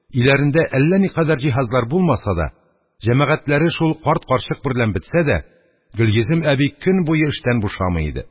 Өйләрендә әллә никадәр җиһазлар булмаса да, җәмәгатьләре шул карт-карчык берлән бетсә дә, Гөлйөзем әби көн буе эштән бушамый иде.